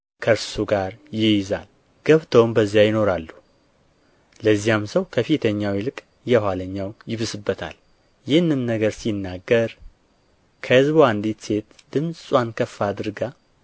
ከእርሱ ጋር ይይዛል ገብተውም በዚያ ይኖራሉ ለዚያም ሰው ከፊተኛው ይልቅ የኋለኛው ይብስበታል ይህንም ሲናገር ከሕዝቡ አንዲት ሴት ድምፅዋን ከፍ አድርጋ